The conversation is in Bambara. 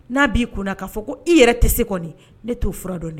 N'a b'i kunna k'a fɔ ko i yɛrɛ tɛ se kɔni , ne t'o fura dɔn de